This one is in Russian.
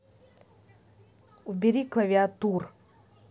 убери клавиатур